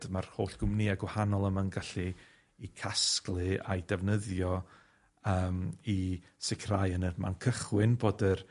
Ma'r holl gwmnïe gwahanol yma'n gallu 'u casglu a'i defnyddio yym i sicirau yn y man cychwyn bod yr